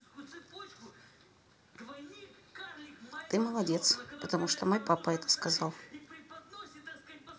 ты молодец потому что мой папа это сказал